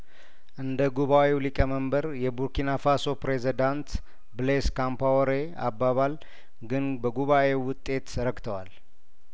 እንደ ጉባኤው ሊቀመንበር የቡርኪናፋሶ ፕሬዚዳንት ብሌ ስካምፓ ወሬ አባባል ግን በጉባኤው ውጤት ረክተዋል